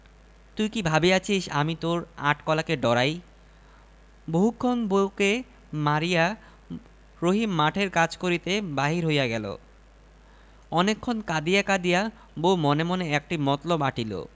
আমি কিছুই বলি না জান আমরা মেয়ে জাত আট কলা হেকমত আমাদের মনে মনে ফের যদি মার তবে আট কলা দেখাইয়া দিব